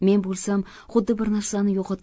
men bo'lsam xuddi bir narsani